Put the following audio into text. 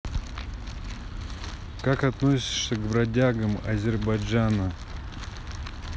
как относишься к бродягам азербайджана